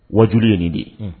Waj ye de de ye